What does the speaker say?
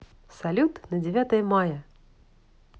салют на девятое мая